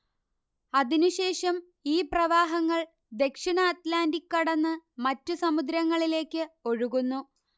അതിനുശേഷം ഈ പ്രവാഹങ്ങൾ ദക്ഷിണ അറ്റ്ലാന്റിക് കടന്ന് മറ്റു സമുദ്രങ്ങളിലേക്ക് ഒഴുകുന്നു